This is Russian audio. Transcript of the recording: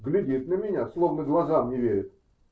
Глядит на меня, словно глазам не верит.